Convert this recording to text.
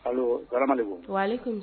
Allo salamu alehikom